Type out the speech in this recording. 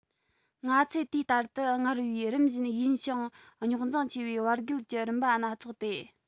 ང ཚོས དེའི བསྟར དུ དངར བའི རིམ བཞིན ཡིན ཞིང རྙོག འཛིང ཆེ བའི བར བརྒལ གྱི རིམ པ སྣ ཚོགས དེ